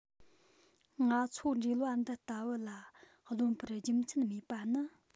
ང ཚོ འབྲེལ བ འདི ལྟ བུ ལ རློམ པར རྒྱུ མཚན མེད པ ནི